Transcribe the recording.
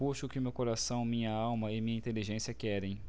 busco o que meu coração minha alma e minha inteligência querem